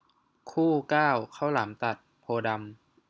คู่เก้าข้าวหลามตัดโพธิ์ดำ